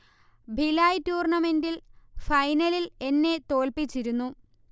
ഭിലായ് ടൂർണമെൻിൽ ഫൈനലിൽ എന്നെ തോൽപ്പിച്ചിരുന്നു